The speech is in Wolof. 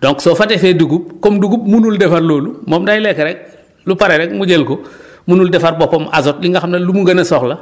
donc soo fa defee dugub comme dugub munul defar loolu moom day lekk rek lu pare rek mu jël ko munul defar boppam azote li nga xam ne lu mu gën a soxla